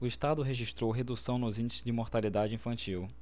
o estado registrou redução nos índices de mortalidade infantil